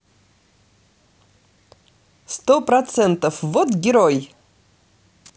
сто процентов вот герой